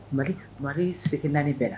Mali seleke 4 bɛɛ la.